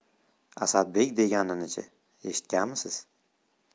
asadbek deganini chi eshitmaganmisiz